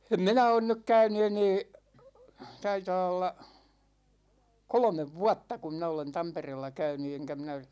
en minä ole nyt käynyt enää taitaa olla kolme vuotta kun minä olen Tampereella käynyt enkä minä